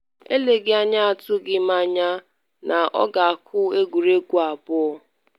Eleghị anya atụghị m anya na ọ ga-akụ egwuregwu abụọ.